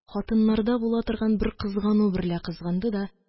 Хатыннарда була торган бер кызгану берлә кызганды д